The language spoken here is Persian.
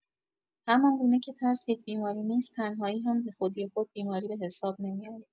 همان‌گونه که ترس یک بیماری نیست، تنهایی هم به‌خودی‌خود بیماری به‌حساب نمی‌آید.